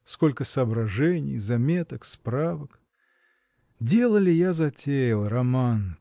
Сколько соображений, заметок, справок!. Дело ли я затеял, роман!